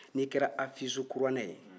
n'i kɛra afizu kuranɛ ye